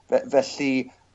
Fe- felly